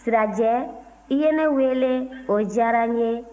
sirajɛ i ye ne wele o diyara n ye